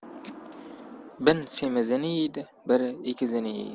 bin semizini yeydi biri egizini yeydi